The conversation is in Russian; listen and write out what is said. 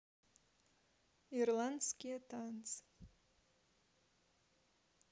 ирландские танцы